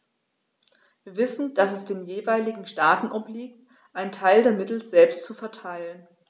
Wir wissen, dass es den jeweiligen Staaten obliegt, einen Teil der Mittel selbst zu verteilen.